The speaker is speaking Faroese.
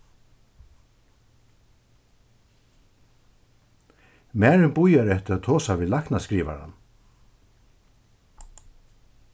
marin bíðar eftir at tosa við læknaskrivaran